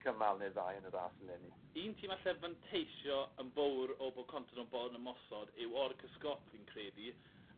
cymal neu ddau yn y ras eleni. Un tîm alle fanteisio yn fowr o bo' Contador yn bolon ymosod yw Orica-Scott fi'n credu.